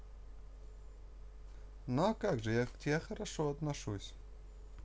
ну а как я же к тебе хорошо отношусь